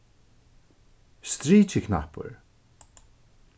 strikiknappur